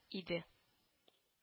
Иде